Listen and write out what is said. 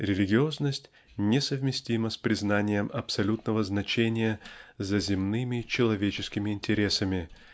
Религиозность несовместима с признанием абсолютного значения за земными человеческими интересами